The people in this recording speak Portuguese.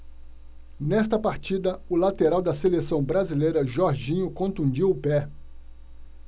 nesta partida o lateral da seleção brasileira jorginho contundiu o pé